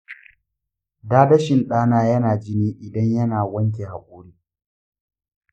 dadashin ɗana yana jini idan ya na wanke hakori.